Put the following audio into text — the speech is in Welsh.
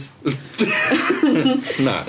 Na.